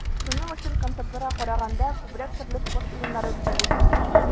Шуның өчен, концертларга караганда, күбрәк төрле спорт уеннары үткәрелде.